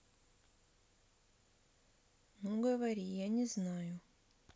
ну говори я не знаю